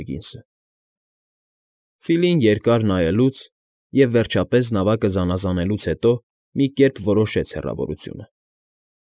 Բեգինսը։ Ֆիլին երկար նայելուց և, վերջապես, նավակը զանազանելուց հետո մի կերպ որոշեց հեռավորությունը։